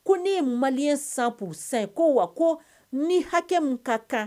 Ko ne ye mali sa sa ye ko wa ko ni hakɛ min ka kan